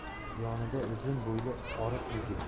yonida uzun bo'yli oriq yigit